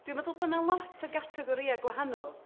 Dwi'n meddwl bod 'na lot o gategorïau gwahanol